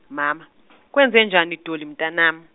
mama kwenzenjani Dolly mntanam-.